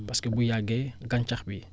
parce que bu yàggee gàncax bi